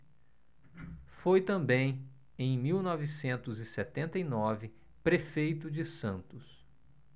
foi também em mil novecentos e setenta e nove prefeito de santos